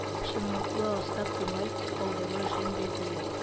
Чынлыкны аста күмеп калдыру өчен билгеле